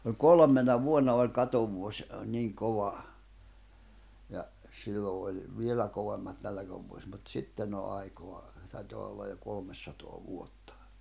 - kolmena vuonna oli katovuosi niin kova ja silloin oli vielä kovemmat nälkävuosi mutta sitten on aikaa taitaa olla jo kolmesataa vuotta